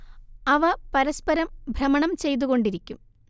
അവ പരസ്പരം ഭ്രമണം ചെയ്തുകൊണ്ടിരിക്കും